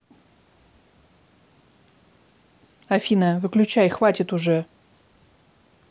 афина выключай хватит уже